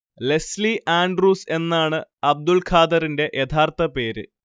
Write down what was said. Leslie Andrews എന്നാണ് അബ്ദുള്ഖാദറിന്റെ യഥാർഥ പേര്